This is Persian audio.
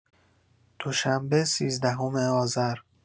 دوشنبه سیزدهم آذر